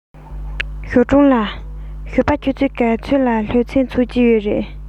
ཞའོ ཀྲུང ལགས ཞོགས པ ཆུ ཚོད ག ཚོད ལ སློབ ཚན ཚུགས ཀྱི ཡོད རེད